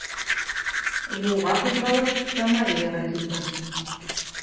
Юлга кузгалып, Самареяга килде.